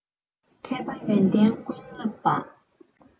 མཁས པ ཡོན ཏན ཀུན བསླབས པ